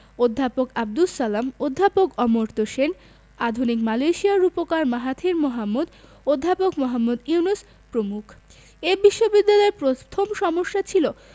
অধ্যাপক আবদুস সালাম অধ্যাপক অমর্ত্য সেন আধুনিক মালয়েশিয়ার রূপকার মাহাথির মোহাম্মদ অধ্যাপক মুহম্মদ ইউনুস প্রমুখ এ বিশ্ববিদ্যালয়ের প্রথম সমস্যা ছিল